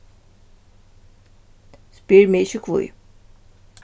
spyr meg ikki hví